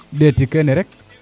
ndeti keene rek